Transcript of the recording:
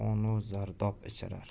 yomon odam qon u zardob ichirar